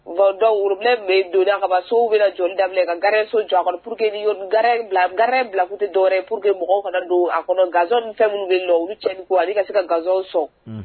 Bon dɔw worobilen bɛ donda ka bɔsow bɛ jɔn da ka gaɛrɛso jɔ purte ga gaɛrɛ bila purte dɔwɛrɛ pur que mɔgɔ fana don a kɔnɔ ganzon fɛn minnu bɛ u cɛ ale ka se ka ganzon sɔn